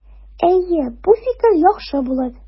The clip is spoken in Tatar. Әйе, бу фикер яхшы булыр.